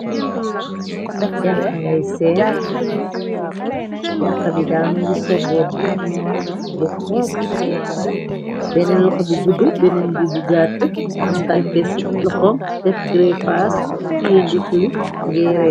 janx ngay seen, janq bi daal mu ngi sol robb bu xonxo, benneen loxo bi gudd, benneen bi bu gatt am kalpe ci loxom def grafaas teiyi ndikli mungi reey.